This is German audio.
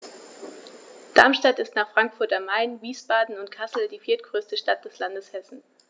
Darmstadt ist nach Frankfurt am Main, Wiesbaden und Kassel die viertgrößte Stadt des Landes Hessen